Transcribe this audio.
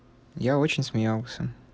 я очень смеялся